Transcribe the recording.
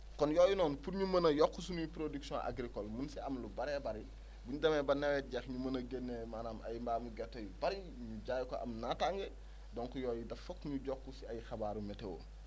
kon yooyu noonu pour ñu mun a yokk suñuy production agricole mun si am lu bëree bëri bu ñu demee ba nawet jeex ñu mun a génnee maanaam ay mbaalu gerte yu bëri ñu jaay ko am naataange donc yooyu daf foog ñu jokk si ay xabaaru météo